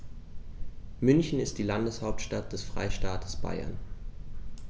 München ist die Landeshauptstadt des Freistaates Bayern.